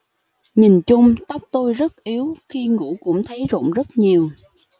nhìn chung tóc tôi rất yếu khi ngủ cũng thấy rụng rất nhiều